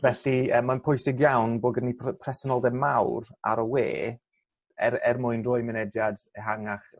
felly yy ma'n pwysig iawn bo' gyn ni pr- presenoldeb mawr ar y we er er mwyn roi mynediad ehangach